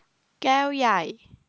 แก้วใหญ่